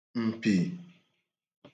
m̀pì